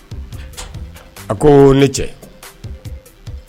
A koo ne cɛ